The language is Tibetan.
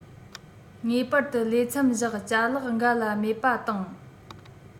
ངེས པར དུ ལས མཚམས བཞག ཅ ལག འགའ ལ མེད པ བཏང